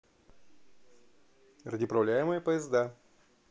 радиоуправляемые поезда